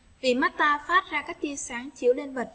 tìm massage phát ra các tia sáng chiếu lên vật